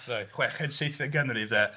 Reit. ...chweched, seithfed ganrif 'de.